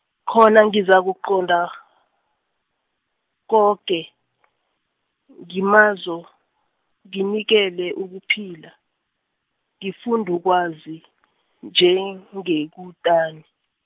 khona ngizakuqonda, koke , ngumazo, nginikele ukuphila, ngifundukwazi , njengekutani.